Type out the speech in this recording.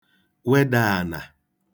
weda ànà